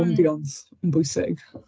Mm... Ambiance yn bwysig.